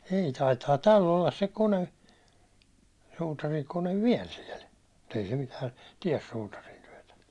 ei taitaa tällä olla se kone suutarinkone vielä siellä mutta ei se mitään tee suutarintyötä